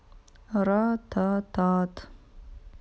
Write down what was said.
ра та тат